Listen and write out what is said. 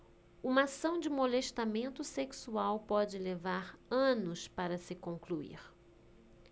uma ação de molestamento sexual pode levar anos para se concluir